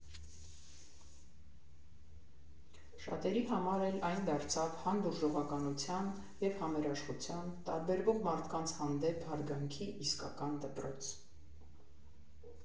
Շատերի համար էլ այն դարձավ հանդուրժողականության և համերաշխության, տարբերվող մարդկանց հանդեպ հարգանքի իսկական դպրոց։